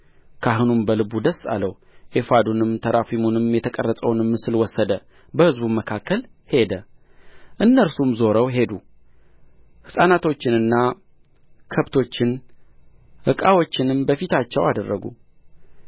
ካህኑም በልቡ ደስ አለው ኤፉዱንም ተራፊሙንም የተቀረጸውንም ምስል ወሰደ በሕዝቡም መካከል ሄደ እነርሱም ዞረው ሄዱ ሕፃናቶችንና ከብቶችን ዕቃዎችንም በፊታቸው አደረጉ